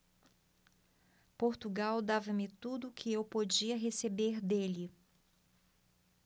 portugal dava-me tudo o que eu podia receber dele